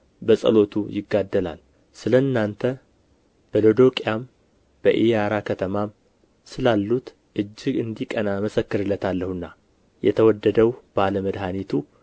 በጸሎቱ ይጋደላል ስለ እናንተ በሎዶቅያም በኢያራ ከተማም ስላሉቱ እጅግ እንዲቀና እመሰክርለታለሁና የተወደደው ባለ መድኃኒቱ